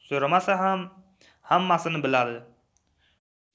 so'ramasayam hammasini biladi